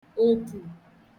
òpù